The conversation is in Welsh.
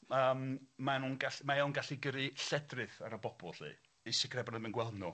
Yym ma' nw'n gall- mae o'n gallu gyrru lledrith ar y bobol 'lly, i sicrhau bo' nw'm yn gweld nw.